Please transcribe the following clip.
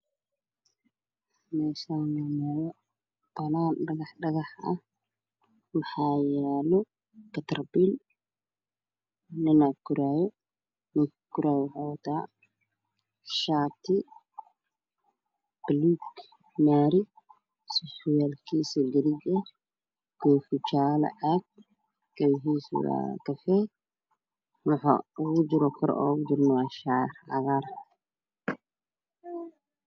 Meeshaan waa meel banaan dhagax dhagax ah waxaa yaalo katar biin nin ayaa guraayo. Ninka guraayo waxuu wataa shaati buluug maari ah surwaal kiisana gariig ah, koofi jaalo caag ah, kabihiisu waa kafay, waxa kor ugu jirana waa shaar cagaar ah.